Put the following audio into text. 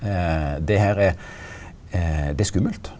det her er det er skummelt.